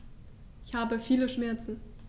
Ich habe viele Schmerzen.